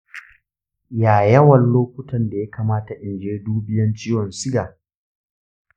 ya yawan lokutan da yakamata inje dubiyan ciwon siga?